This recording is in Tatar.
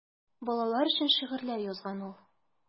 Балалар өчен шигырьләр язган ул.